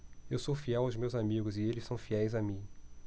eu sou fiel aos meus amigos e eles são fiéis a mim